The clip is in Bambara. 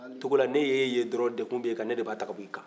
togola ne y'e ye dɔrɔn degun b'e kan ne de b'a ta ka b'i kan